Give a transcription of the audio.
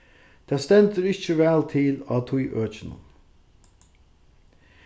tað stendur ikki væl til á tí økinum